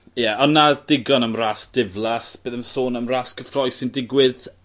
Ie on' 'na digon am ras diflas beth am sôn am ras cyffrous sy'n digwydd